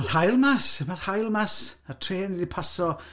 Mae'r haul mas. Mae'r haul mas a'r trên wedi paso...